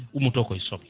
ummoto koye soble